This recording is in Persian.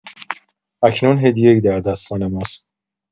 اکنون هدیه‌ای در دستان ماست.